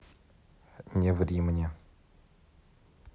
не ври мне